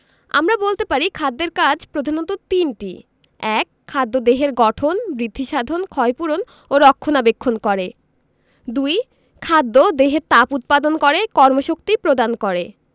আমরা বলতে পারি খাদ্যের কাজ প্রধানত তিনটি ১. খাদ্য দেহের গঠন বৃদ্ধিসাধন ক্ষয়পূরণ ও রক্ষণাবেক্ষণ করে ২. খাদ্য দেহে তাপ উৎপাদন করে কর্মশক্তি প্রদান করে